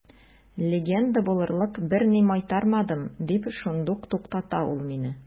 Легенда булырлык берни майтармадым, – дип шундук туктата ул мине.